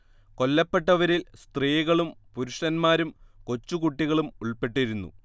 കൊല്ലപ്പെട്ടവരിൽ സ്ത്രീകളും പുരുഷന്മാരും കൊച്ചു കുട്ടികളും ഉൾപ്പെട്ടിരുന്നു